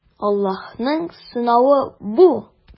Аллаһның сынавы бу.